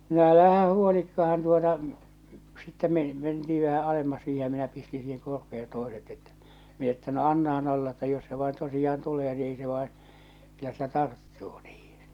no älä huolikaan tuota sitten - mentiin vähän alemmas siihen ja minä pistin siihen korpeen toiset että minä että no annahan olla että jos se vain tosiaan tulee niin ei se vain kyllä se tarttuu niihin